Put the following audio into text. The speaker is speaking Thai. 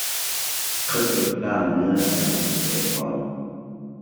เขาเจ็บกล้ามเนื้อหลังจากเตะบอล